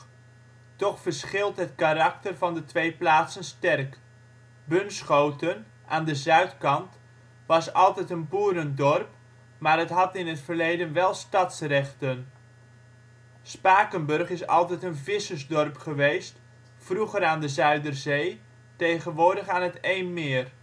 verschilt het karakter van de twee plaatsen sterk. Bunschoten, aan de zuidkant, was altijd een boerendorp maar had in het verleden wel stadsrechten. Spakenburg is altijd een vissersdorp geweest, vroeger aan de Zuiderzee, tegenwoordig aan het Eemmeer